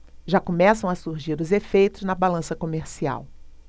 já começam a surgir os efeitos na balança comercial